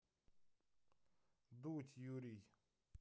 дудь юрий